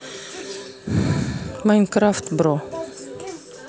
майнкрафт бро